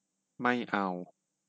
ไม่เอา